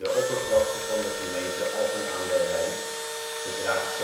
oppervlakte van de gemeente Alphen aan den Rijn bedraagt